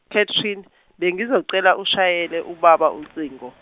Catherine, bengizocela ushayele ubaba ucingo.